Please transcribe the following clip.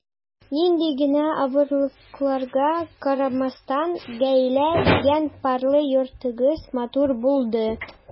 Нинди генә авырлыкларга карамастан, “гаилә” дигән парлы йортыгыз матур булды.